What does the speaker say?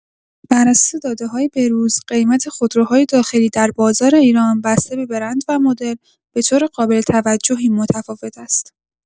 بر اساس داده‌های به‌روز، قیمت خودروهای داخلی در بازار ایران بسته به برند و مدل، به‌طور قابل توجهی متفاوت است.